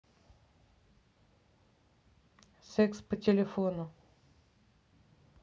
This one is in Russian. секс по телефону